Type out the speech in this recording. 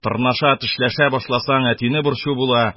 Тырнаша, тешләшә башласаң, әтине борчу була.